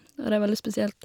Og det er veldig spesielt.